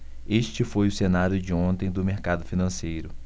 este foi o cenário de ontem do mercado financeiro